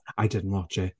I didn't watch it.